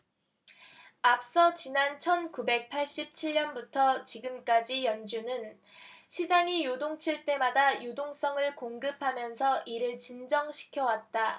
앞서 지난 천 구백 팔십 칠 년부터 지금까지 연준은 시장이 요동칠 때마다 유동성을 공급하면서 이를 진정시켜 왔다